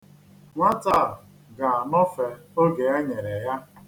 Nwata a ga-anọfe oge e nyere ya.